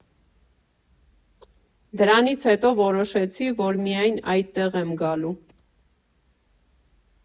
Դրանից հետո որոշեցի, որ միայն այդտեղ եմ գալու։